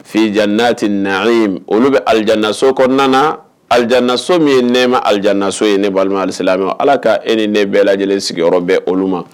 Fii djannati naiim olu bɛ alijanaso kɔnɔna na, alijanaso min ye nɛma alijanaso ye, ne balima alisilamɛw, Ala ka e ni ne bɛɛ lajɛlen sigiyɔrɔ bɛ olu ma.